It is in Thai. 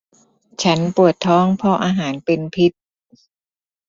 ฉันปวดท้องเพราะอาหารเป็นพิษ